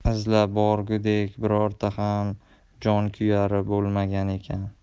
izlab borgudek bironta ham jonkuyari bo'lmagan ekan